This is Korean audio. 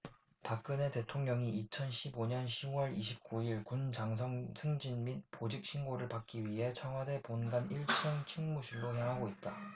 박근혜 대통령이 이천 십 오 년 시 월 이십 구 일 군 장성 승진 및 보직신고를 받기 위해 청와대 본관 일 층 충무실로 향하고 있다